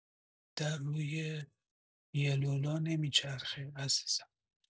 در روی یه لولا نمی‌چرخه عزیزم